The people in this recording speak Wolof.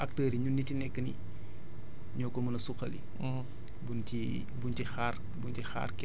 xam ne daal mbay mi ñun ñun acteur yi ñun ñi ci nekk nii ñoo ko mën a suqali